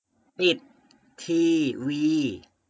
ปิดทีวี